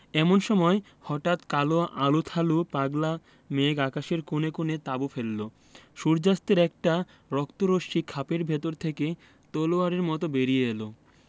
এমন সময় হঠাৎ কাল আলুথালু পাগলা মেঘ আকাশের কোণে কোণে তাঁবু ফেললো সূর্য্যাস্তের একটা রক্ত রশ্মি খাপের ভেতর থেকে তলোয়ারের মত বেরিয়ে এল